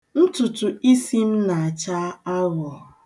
Ntutu isi m na-acha aghọ.